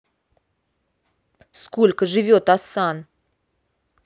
сколько живет асан